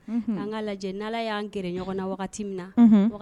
Ka lajɛ n' y'an g ɲɔgɔn na wagati min na